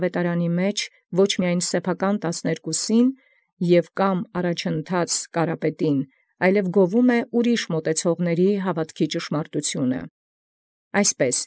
Պսակէր ոչ միայն սեպհականացն զերկոտասանիցն, և կամ զյառաջամուտ զԿարապետին, այլև զայլոց մատուցելոցն գովէ զհաւատոցն ճշմարտութիւն։